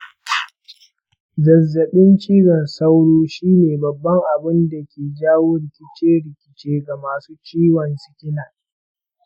zazzaɓin cizon sauro shine babban abunda ke jawo rikice rikice ga masu ciwon sikila.